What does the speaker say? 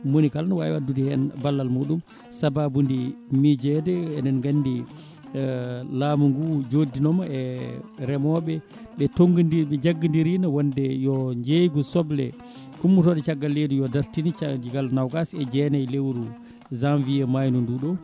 monikala ɗo wawi addude hen ballal muɗum sababude miijede eɗen gandi laamu ngu joddinoma e remoɓe ɓe tonguidi ɓe jaggodirino wonde yo jeygu soble gummotoɗe caggal leydi yo dartine caggal nogas e jeenayi lewru janvier maydu ɗo ndu